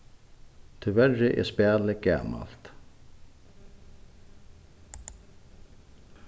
tíverri er spælið gamalt